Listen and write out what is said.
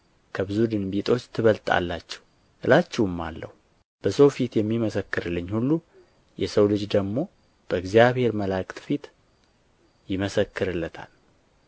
ከብዙ ድንቢጦች ትበልጣላችሁ እላችሁማለሁ በሰው ፊት የሚመሰክርልኝ ሁሉ የሰው ልጅ ደግሞ በእግዚአብሔር መላእክት ፊት ይመሰክርለታል